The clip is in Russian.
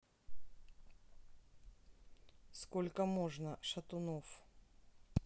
сколько можно шатунов